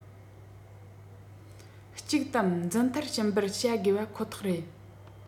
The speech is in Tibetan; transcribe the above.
གཅིག དམ འཛིན མཐར ཕྱིན པར བྱ དགོས པ ཁོ ཐག རེད